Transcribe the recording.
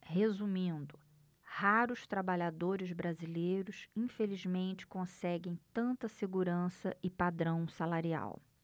resumindo raros trabalhadores brasileiros infelizmente conseguem tanta segurança e padrão salarial